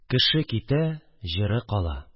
Кеше китә – җыры кала